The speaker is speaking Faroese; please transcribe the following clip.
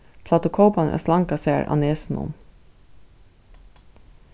plagdu kóparnir at slanga sær á nesinum